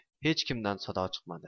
hech kimdan sado chiqmadi